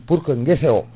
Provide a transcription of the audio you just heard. pour que guessa o